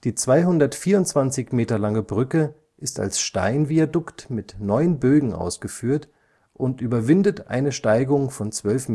224 Meter lange Brücke ist als Steinviadukt mit neun Bögen ausgeführt und überwindet eine Steigung von 12